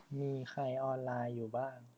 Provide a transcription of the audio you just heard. มีใครออนไลน์อยู่บ้าง